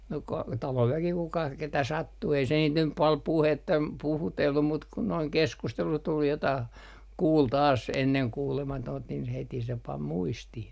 no - talon väki kuka ketä sattui ei se niitä nyt paljon - puhutellut mutta kun noin keskustelu tuli jotakin kuuli taas ennen kuulematonta niin heti se pani muistiin